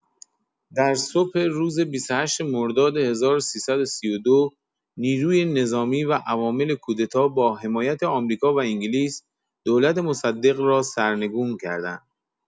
در صبح روز ۲۸ مرداد ۱۳۳۲، نیروهای نظامی و عوامل کودتا با حمایت آمریکا و انگلیس، دولت مصدق را سرنگون کردند.